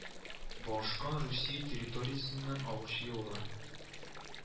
Боошкон Русия территориясеннән агучы елга